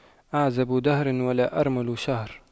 أعزب دهر ولا أرمل شهر